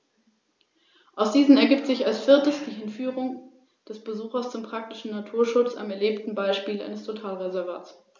In seiner östlichen Hälfte mischte sich dieser Einfluss mit griechisch-hellenistischen und orientalischen Elementen.